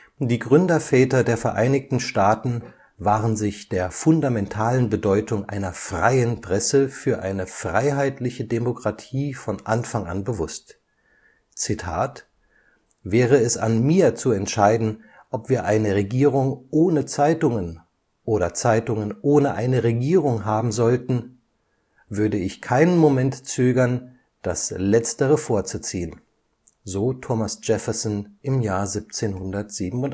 Die Gründerväter der Vereinigten Staaten waren sich der fundamentalen Bedeutung einer freien Presse für eine freiheitliche Demokratie von Anfang an bewusst: „ Wäre es an mir zu entscheiden, ob wir eine Regierung ohne Zeitungen oder Zeitungen ohne eine Regierung haben sollten, sollte ich keinen Moment zögern, das Letztere vorzuziehen “, so Thomas Jefferson im Jahr 1787. Im